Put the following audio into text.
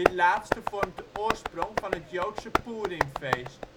laatste vormt de oorsprong van het Joodse Poerimfeest